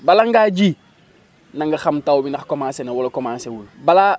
bala ngaa ji na nga xam taw bi ndax commencé na wala commencé wul balaa